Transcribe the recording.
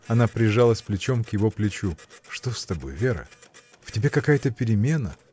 — Она прижалась плечом к его плечу. — Что с тобой, Вера? в тебе какая-то перемена!